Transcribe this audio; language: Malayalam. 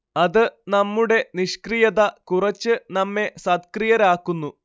അത് നമ്മുടെ നിഷ്ക്രിയത കുറച്ച് നമ്മെ സക്രിയരാക്കുന്നു